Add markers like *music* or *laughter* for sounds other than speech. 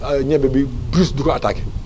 *hesitation* ñebe bi bruche du ko attaqué